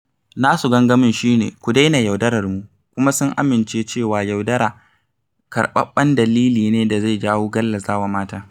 Nasu gangamin shi ne "Ku Daina Yaudarar Mu" kuma sun amince cewa yaudara karɓaɓɓen dalili ne da zai jawo gallazawa mata.